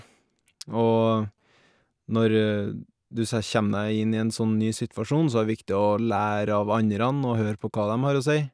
Og når du sæ kjem deg inn i en sånn ny situasjon, så er det viktig å lære av anderan og høre på hva dem har å si.